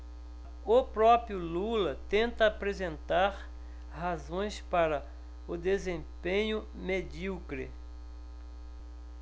o próprio lula tenta apresentar razões para o desempenho medíocre